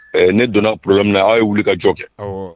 Ne donna problème na aw ye wuli ka jɔ kɛ, ɔhɔ.